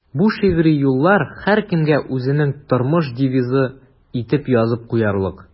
Бу шигъри юллар һәркемгә үзенең тормыш девизы итеп язып куярлык.